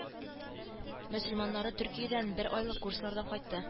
Мөселманнары төркиядән бер айлык курслардан кайтты